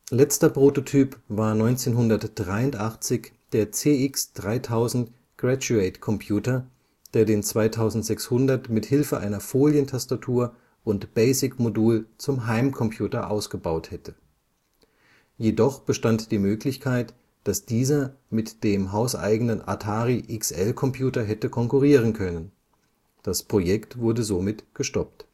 Letzter Prototyp war 1983 der CX-3000 Graduate Computer, der den 2600 mit Hilfe einer Folientastatur und BASIC-Modul zum Heimcomputer ausgebaut hätte. Jedoch bestand die Möglichkeit, dass dieser mit dem hauseigenen Atari-XL-Computer hätte konkurrieren können; das Projekt wurde somit gestoppt